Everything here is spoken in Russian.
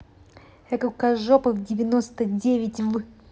рукожопы девяносто девять в